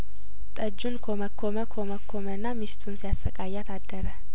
ጠጁን ኰመኰመ ኰመኰመና ሚስቱን ሲያሰቃያት አደረ